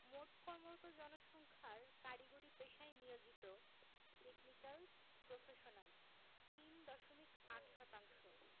মোট কর্মরত জনসংখ্যার কারিগরি পেশায় নিয়োজিত টেকনিকাল প্রফেশনাল ৩ দশমিক ৮ শতাংশ